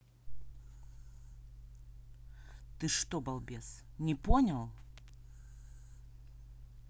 ты что балбес не понял